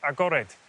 agored